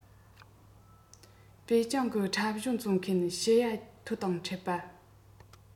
པེ ཅིང གི འཁྲབ གཞུང རྩོམ མཁན ཞི ཡ ཐུའི དང འཕྲད པ